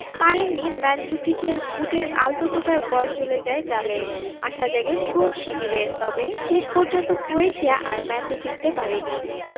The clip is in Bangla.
পারেননি মানজুকিচের বুটের আলতো টোকায় বল চলে যায় জালে আশা জাগে ক্রোট শিবিরে তবে শেষ পর্যন্ত ক্রোয়েশিয়া আর ম্যাচে ফিরতে পারেনি